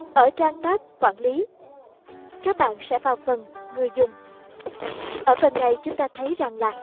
ở trang tab quản lý các bạn sẽ vào phần người dùng ở phần này chúng ta thấy rằng là